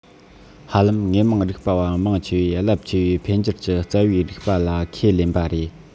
ཧ ལམ དངོས མང རིག པ བ མང ཆེ བས རླབས ཆེ བའི འཕེལ འགྱུར གྱི རྩ བའི རིགས པ ལ ཁས ལེན པ རེད